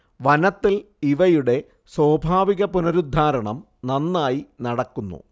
വനത്തിൽ ഇവയുടെ സ്വാഭാവിക പുനരുദ്ധാരണം നന്നായി നടക്കുന്നു